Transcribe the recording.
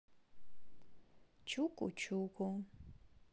чуку чуку